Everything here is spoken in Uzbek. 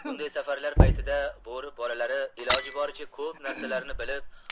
bunday safarlar paytida bo'ri bolalari iloji boricha ko'p narsalarni bilib